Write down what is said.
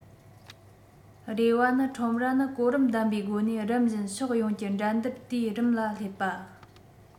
རེ བ ནི ཁྲོམ ར ནི གོ རིམ ལྡན པའི སྒོ ནས རིམ བཞིན ཕྱོགས ཡོངས ཀྱི འགྲན བསྡུར དུས རིམ ལ སླེབས པ